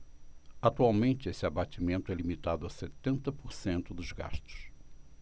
atualmente esse abatimento é limitado a setenta por cento dos gastos